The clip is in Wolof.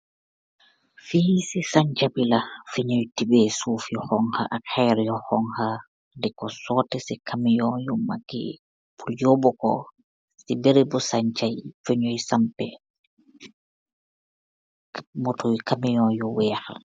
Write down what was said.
Mortor buuyi tiba suuf tai dinko deff ce birr kamiyoug yi.